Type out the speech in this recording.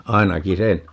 ainakin sen